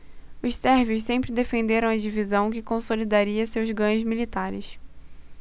os sérvios sempre defenderam a divisão que consolidaria seus ganhos militares